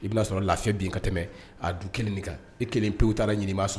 I bɛna'a sɔrɔ lafife bin ka tɛmɛ a du kelen kan i kelen pewu taara ɲini' sɔrɔ